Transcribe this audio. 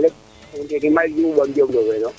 keke Mbaye Diouf Diomb Ndofeen o